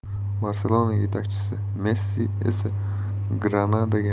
barselona yetakchisi messi esa granada ga